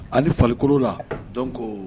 A fakoro la dɔn ko